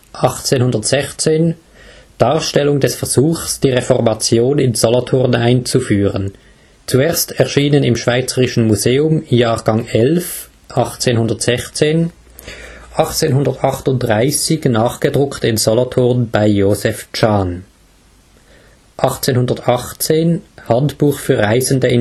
1816 „ Darstellung des Versuchs, die Reformation in Solothurn einzuführen “, zuerst erschienen im Schweizerischen Museum, Jahrgang 11 (1816), 1838 nachgedruckt in Solothurn bei Joseph Tschan. 1818 „ Handbuch für Reisende